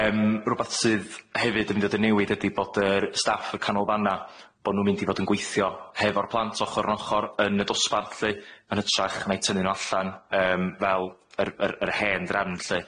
Yym rwbath sydd hefyd yn mynd i fod yn newid ydi bod yr staff y canolfanna, bo' nw'n mynd i fod yn gweithio hefo'r plant ochor yn ochor yn y dosbarth lly, yn hytrach na 'i tynnu nw allan yym fel yr yr yr hen ddrefn lly.